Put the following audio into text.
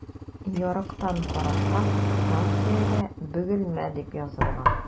Ярыктан карасам, станциягә “Бөгелмә” дип язылган.